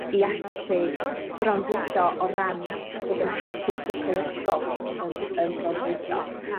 i allu bronfwydo o ran bod yn hapus seicolegol yym yn bronfwydo